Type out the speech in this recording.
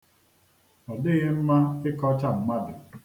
̣Ọ dịghị mma ịkọcha mmadụ